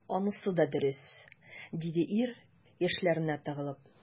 Анысы да дөрес,— диде ир, яшьләренә тыгылып.